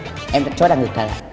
em cũng chốt là ngực thật ạ